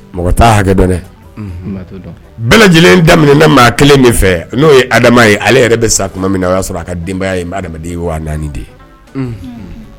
Mɔgɔ' hakɛ dɛ lajɛlen daminɛminda maa kelen fɛ n'o ye adama ye ale yɛrɛ bɛ sa tuma min na o y'a sɔrɔ a ka denbaya ye adamaden naani de